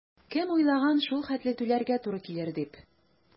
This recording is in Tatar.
Кем уйлаган шул хәтле түләргә туры килер дип?